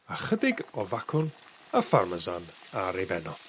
A chydig o facwn a pharmesan ar ei ben o.